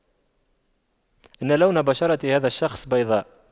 إن لون بشرة هذا الشخص بيضاء